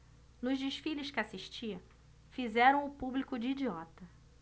nos desfiles que assisti fizeram o público de idiota